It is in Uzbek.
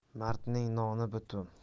mardning noni butun